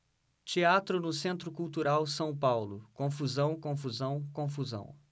teatro no centro cultural são paulo confusão confusão confusão